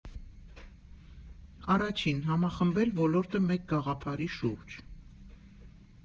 Առաջին՝ համախմբել ոլորտը մեկ գաղափարի շուրջ։